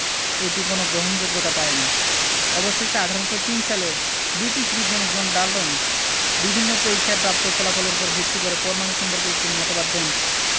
এটি কোনো গ্রহণযোগ্যতা পায়নি অবশেষে ১৮০৩ সালে ব্রিটিশ বিজ্ঞানী জন ডাল্টন বিভিন্ন পরীক্ষায় প্রাপ্ত ফলাফলের উপর ভিত্তি করে পরমাণু সম্পর্কে একটি মতবাদ দেন